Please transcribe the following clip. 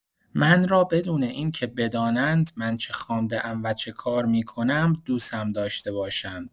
من را بدون این‌که بدانند من چه خوانده‌ام و چه کار می‌کنم دوستم داشته باشند.